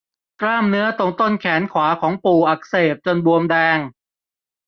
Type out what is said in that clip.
กล้ามเนื้อตรงต้นแขนขวาของปู่อักเสบจนบวมแดง